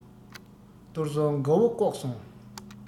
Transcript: གཏོར ཟོར མགོ བོ བཀོག སོང